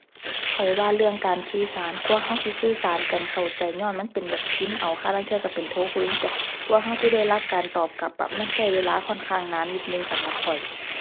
ข้อยว่าเรื่องการสื่อสาร กว่าเราสิสื่อสารกันเข้าใจญ้อนมันเป็นแบบพิมพ์เอา ห่าลางเทื่อเราเป็นโทรคุยจั่งซี้ กว่าเราสิได้รับการตอบกลับอะ มันเราเวลาค่อนข้างนานนิดนึง สำหรับข้อย